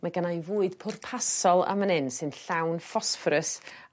Mae genna i fwyd pwrpasol am un 'yn sy'n llawn ffosfforws